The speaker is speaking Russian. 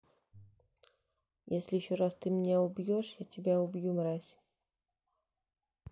если еще раз ты меня убьешь я тебя убью мразь